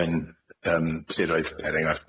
yn yym siroedd er enghraifft,